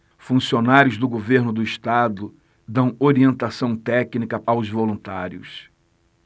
funcionários do governo do estado dão orientação técnica aos voluntários